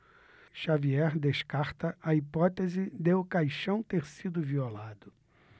xavier descarta a hipótese de o caixão ter sido violado